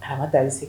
A ka taa segin